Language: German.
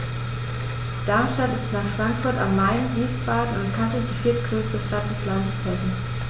Darmstadt ist nach Frankfurt am Main, Wiesbaden und Kassel die viertgrößte Stadt des Landes Hessen